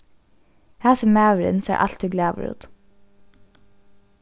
hasin maðurin sær altíð glaður út